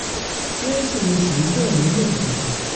Kérésìmesì ń bọ̀ lọ́nà dẹ̀dẹ̀.